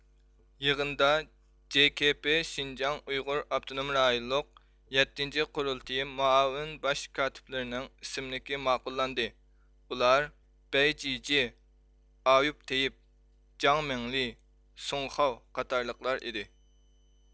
يىغىندا جې كې پې شىنجاڭ ئۇيغۇر ئاپتونوم رايونلۇق يەتتىنچى قۇرۇلتىيى مۇئاۋىن باش كاتىپلىرىنىڭ ئىسىملىكى ماقۇللاندى ئۇلار بەيجىجيې ئايۇپ تېيىپ جاڭمىڭلى سۇڭخاۋ قاتارلىقلار ئىدى